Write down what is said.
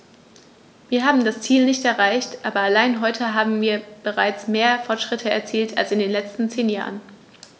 Wir haben das Ziel nicht erreicht, aber allein heute haben wir bereits mehr Fortschritte erzielt als in den letzten zehn Jahren.